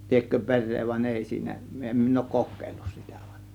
liekö perää vaan ei siinä en minä ole kokeillut sitä vaan